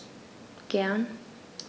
Gern.